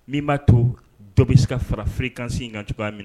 Min b'a to dɔ bɛ se ka fara f kansin in kan cogoya minɛ